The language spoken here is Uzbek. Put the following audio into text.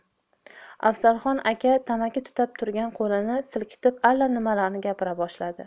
afzalxon aka tamaki tutab turgan qo'lini silkitib yana allanimalarni gapira boshladi